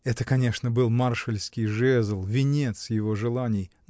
Это, конечно, был маршальский жезл, венец его желаний.